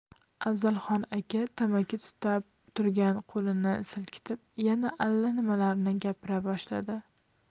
afzalxon aka tamaki tutab turgan qo'lini silkitib yana allanimalarni gapira boshladi